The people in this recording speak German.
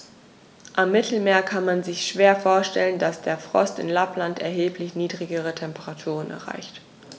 Am Mittelmeer kann man sich schwer vorstellen, dass der Frost in Lappland erheblich niedrigere Temperaturen erreicht.